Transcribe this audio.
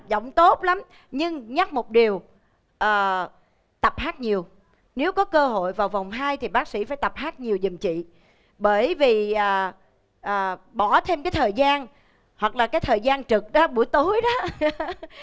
giọng tốt lắm nhưng nhắc một điều ờ tập hát nhiều nếu có cơ hội vào vòng hai thì bác sĩ phải tập hát nhiều giùm chị bởi vì à à bỏ thêm cái thời gian hoặc là cái thời gian trực buổi tối đó